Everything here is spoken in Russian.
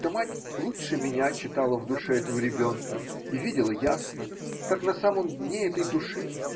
что мать лучше меня читала в душе этого ребенка. и видела ясно. как на самом дне этой души.